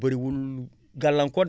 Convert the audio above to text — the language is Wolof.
bëriwul gàllankoor